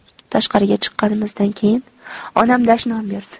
tashqariga chiqqanimizdan keyin onam dashnom berdi